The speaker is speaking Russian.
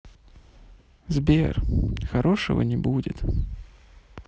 сбер хорошего не будет